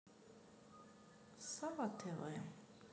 сава тв